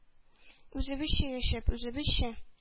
Үзебезчә яшәп, үзебезчә